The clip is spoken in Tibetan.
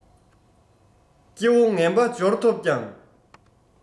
སྐྱེ བོ ངན པ འབྱོར ཐོབ ཀྱང